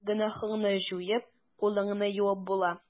Гөнаһыңны җуеп, кулыңны юып була.